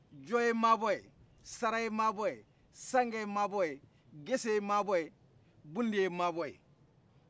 jo ye mabɔye sara ye mabɔye sangɛ ye mabɔye gisse ye mabɔye bunde ye mabɔye